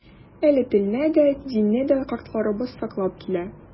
Әле телне дә, динне дә картларыбыз саклап килә.